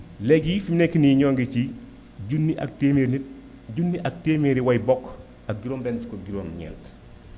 léegi fi mu nekk nii ñoo ngi ci junni ak téeméer i nit junni ak téeméeri way bokk ak juróom benn fukk ak juróom ñeent